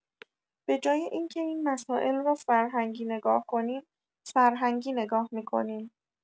بجای اینکه این مسائل را فرهنگی نگاه کنیم سرهنگی نگاه می‌کنیم.